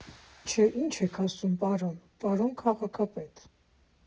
֊ Չէ, ի՞նչ եք ասում, պարոն, պարոն քաղաքապետ…